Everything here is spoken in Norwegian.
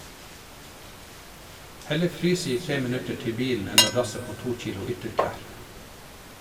Heller fryse i tre minutter til bilen enn å drasse på to kilo ytterklær.